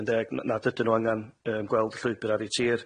yn deg n- nad ydyn nw angan yym gweld llwybr ar eu tir.